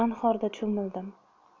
anhorda cho'mildim